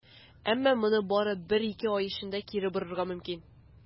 Әмма моны бары бер-ике ай эчендә кире борырга мөмкин.